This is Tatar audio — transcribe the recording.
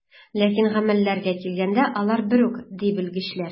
Ләкин гамәлләргә килгәндә, алар бер үк, ди белгечләр.